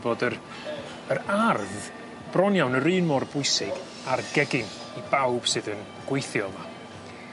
bod yr yr ardd bron iawn yr un mor bwysig â'r gegin i bawb sydd yn gweithio yma.